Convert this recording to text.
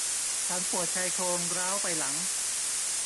ฉันปวดชายโครงร้าวไปหลัง